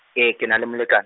ee, ke na le molekane.